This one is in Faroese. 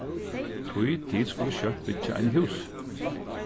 tí tit skulu skjótt byggja eini hús